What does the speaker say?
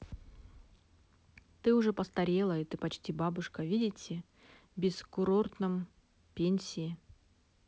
ты уже постарела и ты почти бабушка видите без курортном пенсии